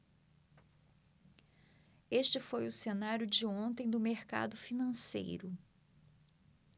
este foi o cenário de ontem do mercado financeiro